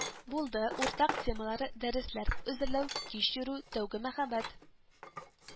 Булды, уртак темалары, дәресләр әзерләү, кич йөрү, тәүге мәхәббәт